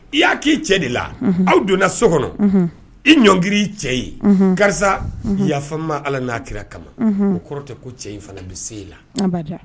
I y'a k'i cɛ de la aw donna so kɔnɔ i ɲɔnkiri i cɛ ye karisa yafama ala n'a kirara kama o kɔrɔtɛ ko cɛ in fana n bɛ se la